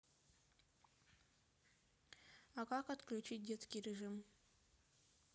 а как отключить детский режим